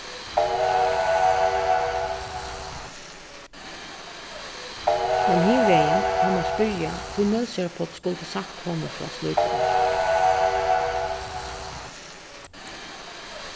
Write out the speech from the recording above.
men hin vegin kann mann spyrja hví nólsoyar páll skuldi sagt honum frá slíkum